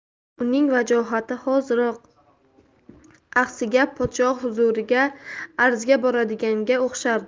uning vajohati hoziroq axsiga podshoh huzuriga arzga boradiganga o'xshardi